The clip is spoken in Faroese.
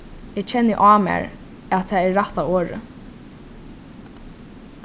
eg kenni á mær at tað er rætta orðið